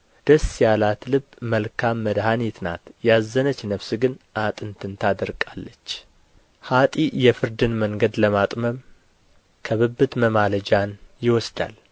ደስ ያላት ልብ መልካም መድኃኒት ናት ያዘነች ነፍስ ግን አጥንትን ታደርቃለች ኀጥእ የፍርድን መንገድ ለማጥመም ከብብት መማለጃን ይወስዳል